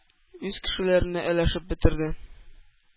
Үз кешеләренә өләшеп бетерде.